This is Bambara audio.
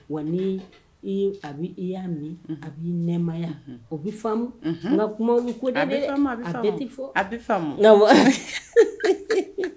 Wa ni a bɛ i' min a bɛi nɛmaya a bɛ fa n nka kuma ko a bɛ tɛ fɔ